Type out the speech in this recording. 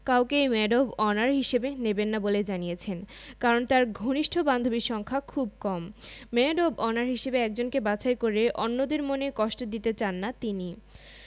কাউকেই maid of honour হিসেবে নেবেন না বলে জানিয়েছেন কারণ তাঁর ঘনিষ্ঠ বান্ধবীর সংখ্যা খুব কম মেড অব অনার হিসেবে একজনকে বাছাই করে অন্যদের মনে কষ্ট দিতে চান না তিনি